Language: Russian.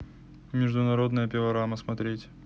международная пилорама смотреть